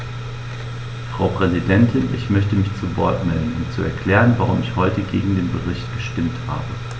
Frau Präsidentin, ich möchte mich zu Wort melden, um zu erklären, warum ich heute gegen den Bericht gestimmt habe.